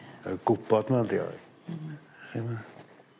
Yy gwbod 'ma 'di o i... Hmm. ...ch'mo'?